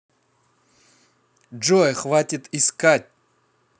джой хватит искать